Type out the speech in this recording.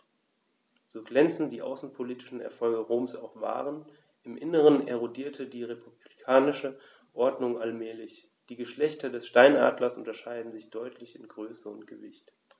So glänzend die außenpolitischen Erfolge Roms auch waren: Im Inneren erodierte die republikanische Ordnung allmählich. Die Geschlechter des Steinadlers unterscheiden sich deutlich in Größe und Gewicht.